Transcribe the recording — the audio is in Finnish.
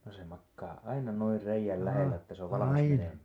no se makaa aina noin reiän lähellä että se on valmis menemään